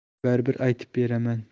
baribir aytib beraman